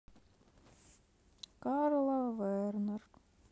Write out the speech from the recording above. carla werner